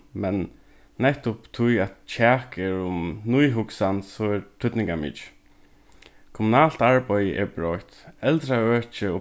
men nettupp tí at kjak er um nýhugsan so er týdningarmikið kommunalt arbeiði er broytt eldraøkið og